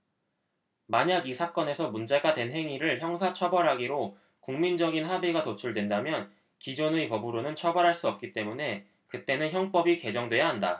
만약 이 사건에서 문제가 된 행위를 형사 처벌하기로 국민적인 합의가 도출된다면 기존의 법으로는 처벌할 수 없기 때문에 그때는 형법이 개정돼야 한다